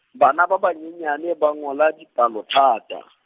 bana ba banyenyane ba ngola dipalothata.